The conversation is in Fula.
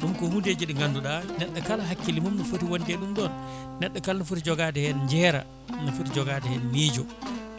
ɗum ko hundeje ɗi ganduɗa neɗɗo kala hakkille mum ne footi wonde e ɗum ɗon neɗɗo kala ne footi jogade jeera ne footi joogade hen miijo